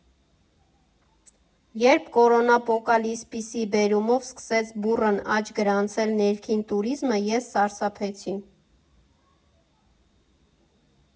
Երբ կորոնապոկալիպսիսի բերումով սկսեց բուռն աճ գրանցել ներքին տուրիզմը, ես սարսափեցի։